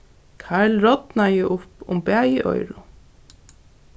karl rodnaði upp um bæði oyru